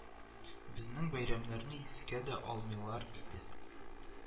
Безнең бәйрәмнәрне искә дә алмыйлар иде